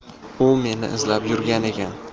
u meni izlab yurgan ekan